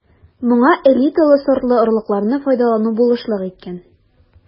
Моңа элиталы сортлы орлыкларны файдалану булышлык иткән.